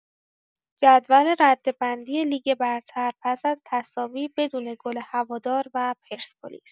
جدول رده‌بندی لیگ برتر پس‌از تساوی بدون گل هوادار و پرسپولیس